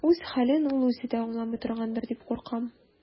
Үз хәлен ул үзе дә аңламый торгандыр дип куркам.